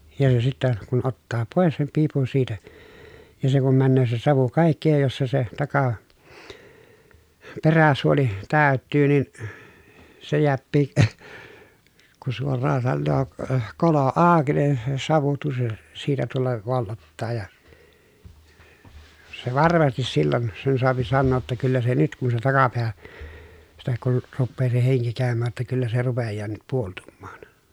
ja jo sitten kun ottaa pois sen piipun siitä ja se kun menee se savu kaikki ja jos se se - peräsuoli täyttyy niin se jääkin kun suoraan sanoo - kolo auki niin se savu - siitä tulla vollottaa ja se varmasti silloin sen saa sanoa jotta kyllä se nyt kun se takapää sitä kun rupeaa se henki käymään että kyllä se rupeaa nyt puoltumaan